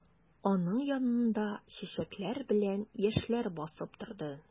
Аның янында чәчәкләр белән яшьләр басып торды.